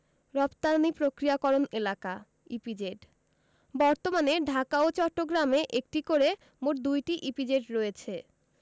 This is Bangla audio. রপ্তানি প্রক্রিয়াকরণ এলাকাঃ ইপিজেড বর্তমানে ঢাকা ও চট্টগ্রামে একটি করে মোট ২টি ইপিজেড রয়েছে